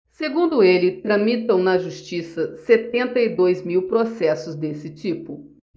segundo ele tramitam na justiça setenta e dois mil processos desse tipo